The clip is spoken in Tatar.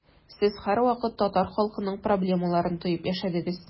Сез һәрвакыт татар халкының проблемаларын тоеп яшәдегез.